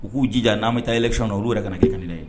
U k'u jija n'an bɛ taa yɛlɛlɛ fiw na olu yɛrɛ ka kɛ kanla ye